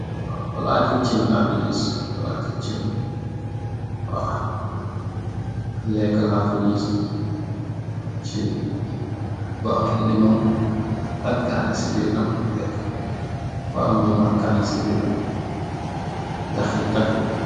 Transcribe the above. Waw palate chin lafe giss palate chin waw leka lafe giss chin bu am lemong ak Kaane se biram leka bu am lemong ak Kaane se biram dahen dahen.